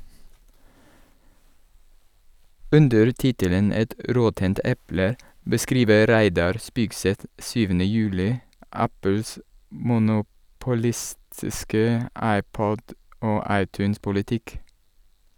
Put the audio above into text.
Under tittelen «Et råttent eple» beskriver Reidar Spigseth 7. juli Apples monopolistiske iPod- og iTunes-politikk.